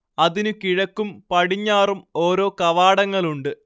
അതിന് കിഴക്കും പടിഞ്ഞാറും ഓരോ കവാടങ്ങളുണ്ട്